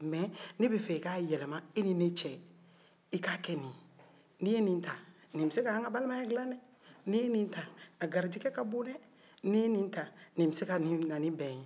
mɛ ne bɛ fɛ e k'a yɛlɛma e ni ne cɛ e k'a kɛ nin ye n'i ye nin ta ni bɛ se k'an ka balimaya dilan dɛ n'i ye nin ta a garizigɛ ka bon dɛ